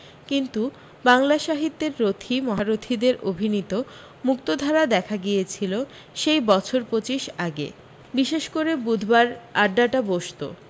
কিন্তু বাংলা সাহিত্যের রথী মহারথীদের অভিনীত মুক্তধারা দেখা গিয়েছিল সেই বছর পঁচিশ আগে বিশেষ করে বুধবার আড্ডাটা বসত